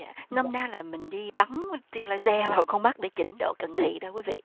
nôm na là mình đi bắn tia la de vào con mắt để chỉnh độ cận thị đó quý vị